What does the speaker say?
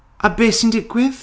A beth sy'n digwydd?